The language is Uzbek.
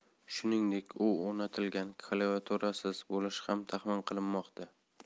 shuningdek u o'rnatilgan klaviaturasiz bo'lishi ham taxmin qilinmoqda